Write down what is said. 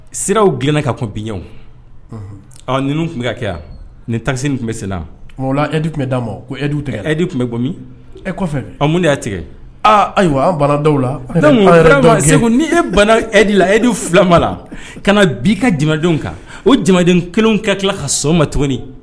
Siraw g ka kun biw ninnu tun bɛ ka kɛ yan ni takisi tun bɛ se edi tun bɛ d' ma edu tigɛ edu tun bɛmi e kɔfɛ an mun de y'a tigɛ aaa ayiwa anda la ni e edi la edu filama la ka na bi ka jamadenw kan o jamaden kelen kɛ tila ka so ma tuguni